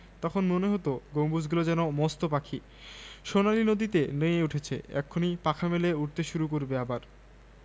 ১০ ইতিহাস ঢাকা যে লাল ইটোয়ালা ইশকুলটার কথা বলছি তাই পাশেই একটা মসজিদ খুব সুন্দর অনেক দূর থেকে এসে দেখার মতো বিকেলে সন্ধায় কি জ্যোৎস্নারাতে